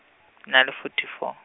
na le forty four.